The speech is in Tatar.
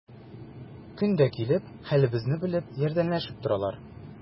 Көн дә килеп, хәлебезне белеп, ярдәмләшеп торалар.